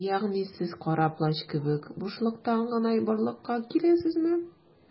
Ягъни сез Кара Плащ кебек - бушлыктан гына барлыкка киләсезме?